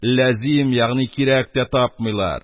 Лязем ягъни кирәк дә тапмыйлар.